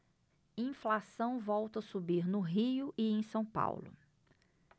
inflação volta a subir no rio e em são paulo